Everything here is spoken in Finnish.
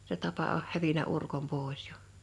se tapa on hävinnyt urkon pois jo